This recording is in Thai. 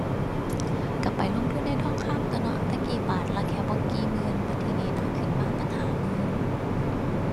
ก็ไปลงทุนในทองคำตั่วเนาะ แต่กี้บาทละแค่บ่กี่หมื่น บัดทีนี้นะขึ้นมาตั้งห้าหมื่น